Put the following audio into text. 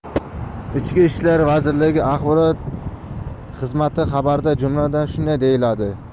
ichki ishlar vazirligi axborot xizmatixabarda jumladan shunday deyiladi